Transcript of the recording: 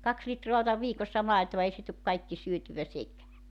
kaksi litraa otan viikossa maitoa ei se tule kaikki syötyä sekään